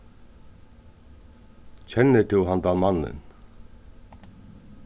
kennir tú handan mannin